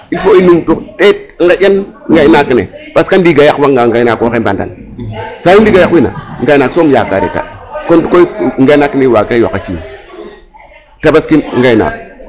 Il faut i numtu ɗeet nqaƴan ngaynaak ne parce que ndiiga yaqwanga ngaynaqk o na xambanan sayu ndiig a yaquna ngaynaak soom yakaare ta kon koy ngaynaak ne waagee yoq a ciinj.